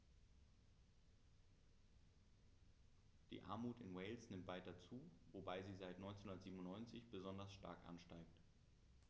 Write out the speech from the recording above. Die Armut in Wales nimmt weiter zu, wobei sie seit 1997 besonders stark ansteigt.